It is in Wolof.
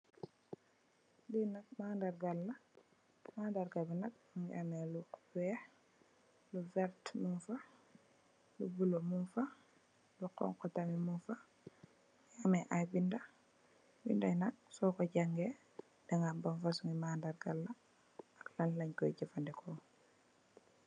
Li nak mandarrga la mandarrga bi nak mungi ameh lu weih lu verteh mungfa lu buloo Mungfa lu hunhu tamit mungfa Mungi ameh i binda, bindai nak soko jangeh danga ham ban fosumi mandarrga ak lan lenjko jefandeko.